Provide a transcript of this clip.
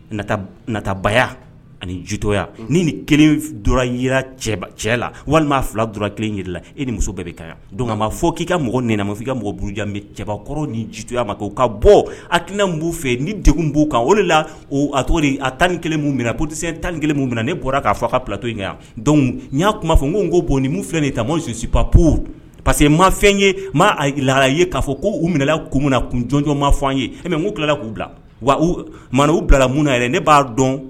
Natabaya ani jitoya ni ni kelen yi cɛ la walima'a fila du kelen jira la e ni muso bɛɛ bɛ ka don ma fɔ k'i ka mɔgɔ ninma'i ka mɔgɔjan cɛbakɔrɔ ni jitoya ma k ka bɔ hakiina b'u fɛ ni denw b'o kan o de la o a tɔgɔ a tan ni kelen na p tɛ se tan ni kelen min na ne bɔra k'a fɔ ka pto in kɛ yan dɔnkuc n y'a kuma' fɔ ko n ko bon ni min filɛ nin tama sunjata su pap pa parce que ma fɛn ye maa lara ye k'a fɔ k ko' u minɛ ko min na kunjjɔnmaa fɔ an ye mɛ ko tilala k'u bila wa ma u bilala mun yɛrɛ ne b'a dɔn